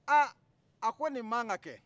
aa a ko nin mankan ka kɛ